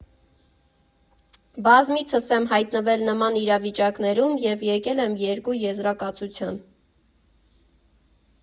Բազմիցս եմ հայտնվել նման իրավիճակներում և եկել եմ երկու եզրակացության.